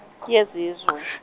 yezizwe.